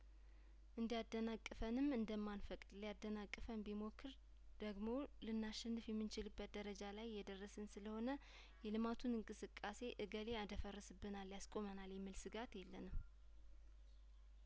እንዲያደናቅፈንም እንደማን ፈቅድ ሊያደናቅፈን ቢሞክር ደግሞ ልናሸንፍ የምንችልበት ደረጃ ላይ እየደረስን ስለሆነ የልማቱን እንቅስቃሴ እገሌ ያደፈረስብናል ያስቆመናል የሚል ስጋት የለንም